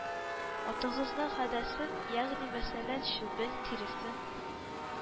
Атыгызның хәдәсен, ягъни мәсәлән, чүбен, тиресен.